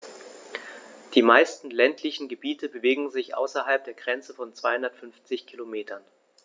Die meisten ländlichen Gebiete bewegen sich außerhalb der Grenze von 250 Kilometern.